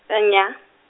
a nya-.